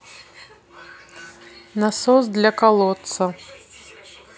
насос для колодца